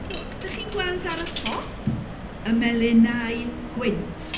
So dach chi'n gweld ar y top y melinau gwynt?